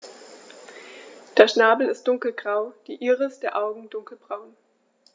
Der Schnabel ist dunkelgrau, die Iris der Augen dunkelbraun.